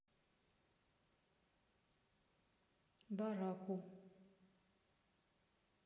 бараку